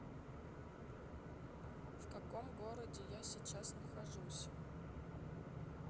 в каком городе я сейчас нахожусь